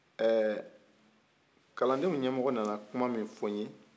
eɛ kalandenw ɲɛmɔgɔ nana kuma min fɔ n ye